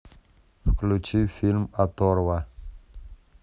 включи фильм оторва